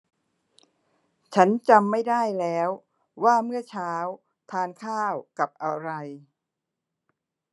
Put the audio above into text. ฉันจำไม่ได้แล้วว่าเมื่อเช้าทานข้าวกับอะไร